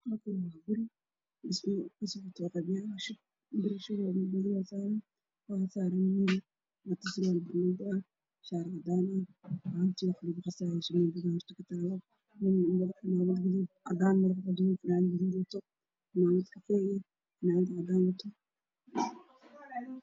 Halkaan waa guri dhismo ka socoto ooo qabyo ah biro shuba oo madow saaran waxaa saaran wiil wato shaar cadaan ah iyo surwaal buluug ah, gacanta wax lugu qasayey shamiito madow ku taalo, midna madaxa cimaamad cadaan ah ayaa ugu duuban, fanaanad gaduud wato, fanaanad kafay iyo fanaanad cadaan ah wato.